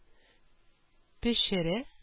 Пешерә